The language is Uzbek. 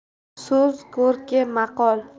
so'z ko'rki maqol